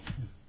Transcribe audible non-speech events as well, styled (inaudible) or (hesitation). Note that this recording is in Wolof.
(hesitation) (hesitation)